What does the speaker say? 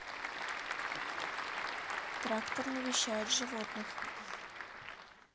трактор навещает животных